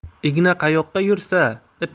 igna qayoqqa yursa ip